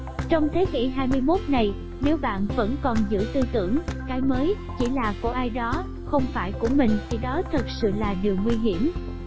trong thế kỷ này nếu bạn vẫn còn giữ tư tưởng 'cái mới' chỉ là của ai đó không phải việc của mình thì đó thật sự là điều nguy hiểm